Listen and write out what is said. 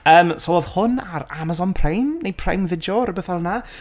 Yym, so oedd hwn ar Amazon Prime neu Prime Video, rywbeth fel 'na?